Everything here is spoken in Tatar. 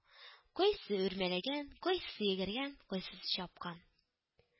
Кайсы үрмәләгән, кайсы йөгергән, кайсы чапкан